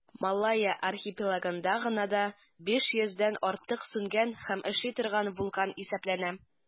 Малайя архипелагында гына да 500 дән артык сүнгән һәм эшли торган вулкан исәпләнә.